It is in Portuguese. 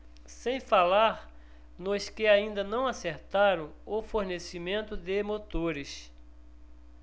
sem falar nos que ainda não acertaram o fornecimento de motores